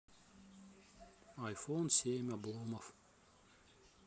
айфон семь обломов